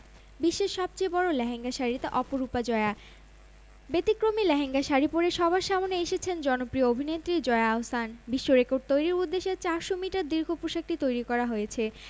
ইত্তেফাক এর online desk হতে সংগৃহীত প্রকাশের সময় ১৪মে ২০১৮ বিকেল ৪টা ২৬ মিনিট